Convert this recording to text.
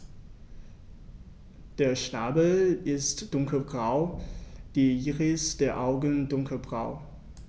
Der Schnabel ist dunkelgrau, die Iris der Augen dunkelbraun.